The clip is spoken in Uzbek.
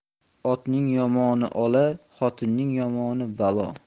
otning yomoni ola xotinning yomoni balo